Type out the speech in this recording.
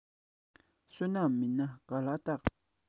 བསོད ནམས མེད ན ག ལ རྟག